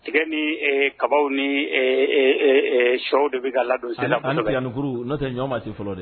Tigɛ ni ɛɛ kabaw ni ɛɛ sɔw de bɛ ka ladon sisan. Ani tigɛkuru n'o tɛ ɲɔ ma se fɔlɔ dɛ.